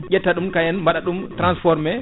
ƴetta ɗum kayen baɗaɗum transformé